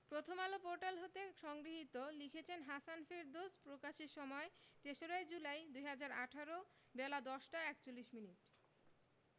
Prothom Alo portal হতে সংগৃহীত লিখেছেন হাসান ফেরদৌস প্রকাশের সময় ৩রা জুলাই ২০১৮ বেলা ১০টা ৪১মিনিট